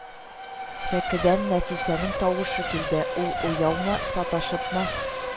Сәкедән Нәфисәнең тавышы килде, ул уяумы, саташыпмы: